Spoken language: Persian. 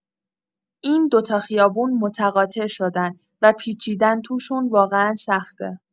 این دو تا خیابون متقاطع شدن و پیچیدن توشون واقعا سخته.